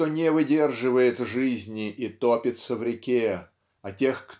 кто не выдерживает жизни и топится в реке о тех